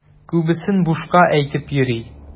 Күбесен бушка әйтеп йөри.